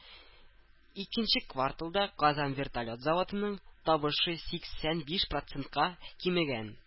Икенче кварталда Казан вертолет заводының табышы сиксән биш процентка кимегән